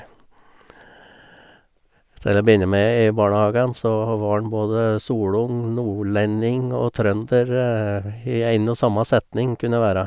Til å begynne med i barnehagen så var han både solung, nordlending og trønder i én og samme setning, kunne være.